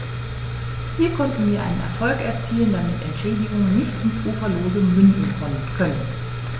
Hier konnten wir einen Erfolg erzielen, damit Entschädigungen nicht ins Uferlose münden können.